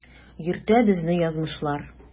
Йөртә безне язмышлар.